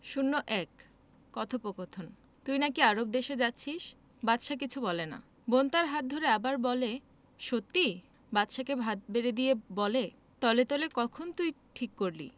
০১কথোপকথন তুই নাকি আরব দেশে যাচ্ছিস বাদশা কিছু বলে না বোন তার হাত ধরে আবার বলে সত্যি বাদশাকে ভাত বেড়ে দিয়ে বলে তলে তলে কখন তুই ঠিক করলি